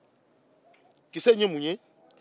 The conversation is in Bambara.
kisɛ ye mun ye